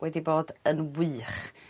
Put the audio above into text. wedi bod yn wych.